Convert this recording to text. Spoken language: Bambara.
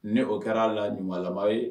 Ne o kɛra la ɲuman laban ye